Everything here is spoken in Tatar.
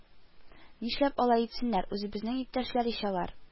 Нишләп алай итсеннәр, үзебезнең иптәшләр ич алар